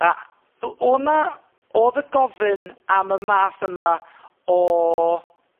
...a, o- o' 'na, odd y gofyn am y math yma o